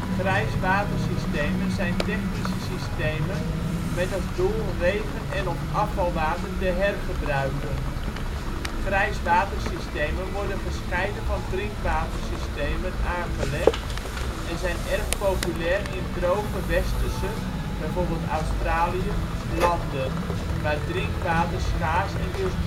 Grijs watersystemen zijn technische systemen met als doel regen en/of afvalwater te hergebruiken. Grijs watersystemen worden gescheiden van drinkwatersystemen aangelegd en zijn erg populair in droge Westerse (bijvoorbeeld Australië) landen waar drinkwater schaars en dus